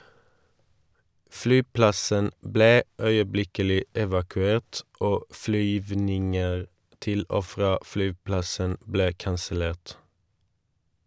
Flyplassen ble øyeblikkelig evakuert, og flyvninger til og fra flyplassen ble kansellert.